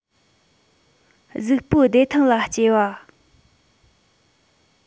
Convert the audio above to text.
གཟུགས པོའི བདེ ཐང ལ གཅེས པ